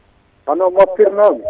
hono moftirnomi